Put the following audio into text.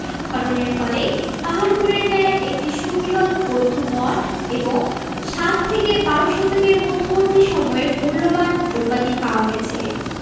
খননের ফলে পাহাড়পুর এর ন্যায় একটি সুবৃহৎ বৌদ্ধ মঠ এবং সাত থেকে বারো শতকের মধ্যবর্তী সময়ের মূল্যবান দ্রব্যাদি পাওয়া গেছে